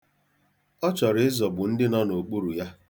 Ọ chọrọ ịzọgbu ndị nọ n'okpuru ya.